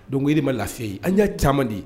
Don ma lafi an y'a caman de